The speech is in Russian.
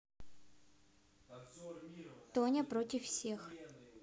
тоня против всех